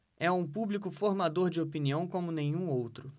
é um público formador de opinião como nenhum outro